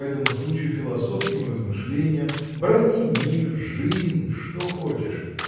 по этому случаю философским размышлениям брани мир жизнь что хочешь